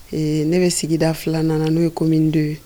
Ee ne bɛ sigida fila nana n'o ye ko min don ye